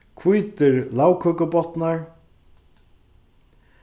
hvítir lagkøkubotnar